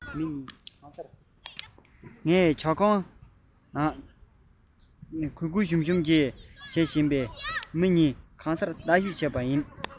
ངས ཇ ཁམ གང འཐུང གུས གུས ཞུམ ཞུམ བྱེད བཞིན པའི མི གཉིས གང སར ཞིབ ལྟ ཞིག བྱས